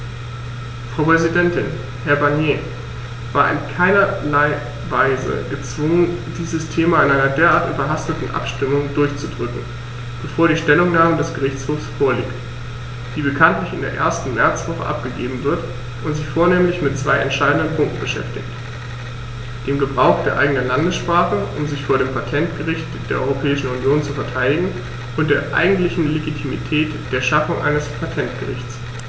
Frau Präsidentin, Herr Barnier war in keinerlei Weise gezwungen, dieses Thema in einer derart überhasteten Abstimmung durchzudrücken, bevor die Stellungnahme des Gerichtshofs vorliegt, die bekanntlich in der ersten Märzwoche abgegeben wird und sich vornehmlich mit zwei entscheidenden Punkten beschäftigt: dem Gebrauch der eigenen Landessprache, um sich vor dem Patentgericht der Europäischen Union zu verteidigen, und der eigentlichen Legitimität der Schaffung eines Patentgerichts.